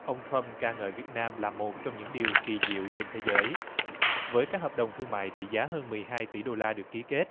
ông trăm ca ngợi việt nam là một trong những điều kỳ diệu trên thế giới với các hợp đồng thương mại trị giá hơn mười hai tỷ đô la được ký kết